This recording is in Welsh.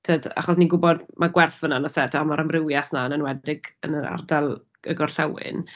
Timod achos ni'n gwbod ma' gwerth fan'na yn does e? Timod ma'r amrywiaeth 'yna yn enwedig yn yr ardal y Gorllewin.